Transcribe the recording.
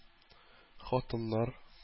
Хатыннар